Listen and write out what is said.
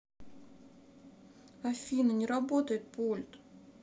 афина не работает пульт